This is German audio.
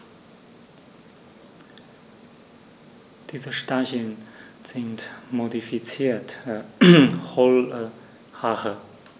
Diese Stacheln sind modifizierte, hohle Haare.